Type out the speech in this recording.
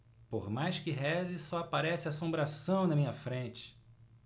por mais que reze só aparece assombração na minha frente